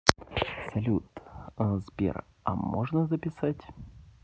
салют сбер а можно записать